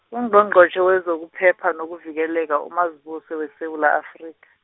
Ungqongqotjhe wezokuphepha nokuvikeleka uMazibuse weSewula Afrika.